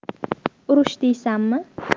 urush deysanmi